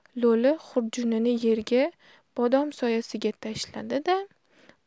lo'li xurjunini yerga bodom soyasiga tashladi da